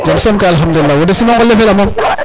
jam som kay alkhadoulila wo de simangol ne fela moom